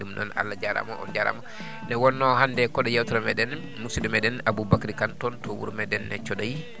ɗum noon Allah jarama on jarama nde wonno hannde koɗo yewtere meɗen musiɗɗo meɗen Aboubacry Kane toon to wuuro meɗen Thiodaye